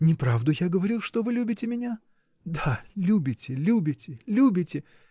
Не правду я говорил, что вы любите меня? Да, любите, любите, любите!